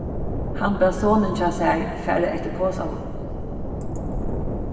hann bað sonin hjá sær fara eftir posanum